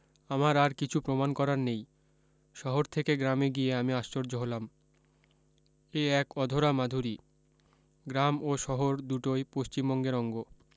আমার আর কিছু প্রমাণ করার নেই শহর থেকে গ্রামে গিয়ে আমি আশ্চর্য হলাম এ এক অধরা মাধুরী গ্রাম ও শহর দুটোয় পশ্চিম বঙ্গের অঙ্গ